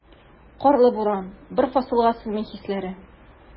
Карлы буран, бер фасылга сыймый хисләре.